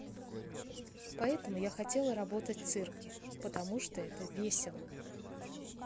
поэтому я хотела работать цирке потому что это весело